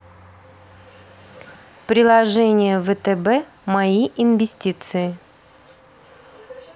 приложение втб мои инвестиции